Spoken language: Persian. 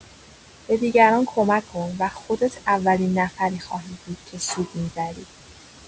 به دیگران کمک کن و خودت اولین نفری خواهی بود که سود می‌بری.